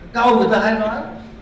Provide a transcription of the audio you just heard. câu người ta hay nói